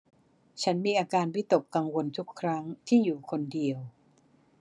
ฉันมีอาการวิตกกังวลทุกครั้งที่อยู่คนเดียว